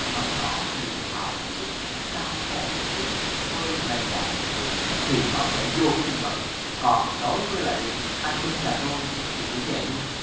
nhỏ nhỏ thều thào một chút đau khổ một chút hơi rè một chút thì nó sẽ vô cái nhân vật còn đối với lại anh minh nhà tôi thì cũng vậy lun